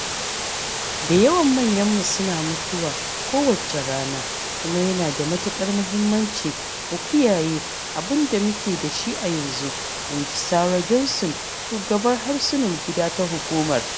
“Da yawan manyanmu suna mutuwa kowace rana, kuma yana da matuƙar muhimmanci mu kiyaye abin da muke da shi a yanzu,” in ji Sarah Johnson, shugabar harsunan gida na Hukumar